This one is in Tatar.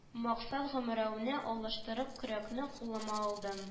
Максат гомәрәүне алыштырып көрәкне кулыма алдым